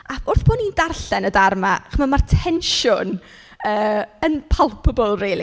A wrth bo' ni'n darllen y darn 'ma, chimod ma'r tensiwn yy yn palpable rili.